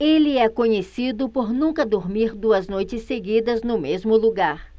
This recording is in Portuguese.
ele é conhecido por nunca dormir duas noites seguidas no mesmo lugar